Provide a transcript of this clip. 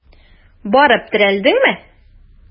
Барып терәлдеңме?